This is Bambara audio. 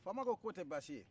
faama ko k'o tɛ basi ye